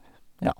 Ja.